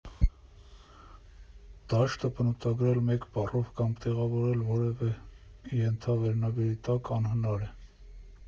Դաշտը բնութագրել մեկ բառով կամ տեղավորել որևէ ենթավերնագրի տակ անհնար է.